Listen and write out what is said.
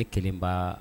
Ni kelenba